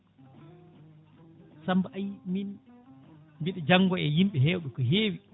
Samba ayi mi mbiɗa janggoya e yimɓe hewɓe ko hewi